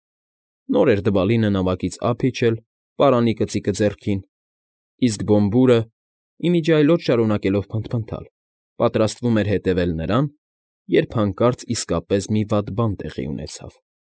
Նոր էր Դվալինը նավակից ափ իջել, պարանի կծիկը ձեռքին, իսկ Բոմբուրը (ի միջի այլոց շարունակելով փնթփնթալ) պատրաստվում էր հետևել նրան, երբ հանկարծ իսկապես մի վատ բան տեղի ունեցավ։